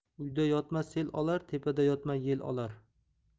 uyda yotma sel olar tepada yotma yel olar